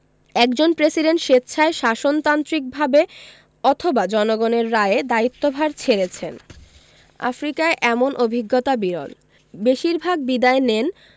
একজন প্রেসিডেন্ট স্বেচ্ছায় শাসনতান্ত্রিকভাবে অথবা জনগণের রায়ে দায়িত্বভার ছেড়েছেন আফ্রিকায় এমন অভিজ্ঞতা বিরল বেশির ভাগ বিদায় নেন